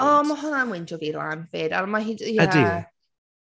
O, mae hwnna’n weindio fi lan 'fyd a mae hi... Ydy... Ie.